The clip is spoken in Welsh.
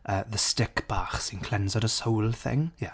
The stick bach sy'n cleanso dy soul thing ie.